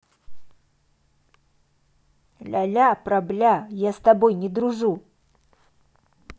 ляля пробля я с тобой не дружу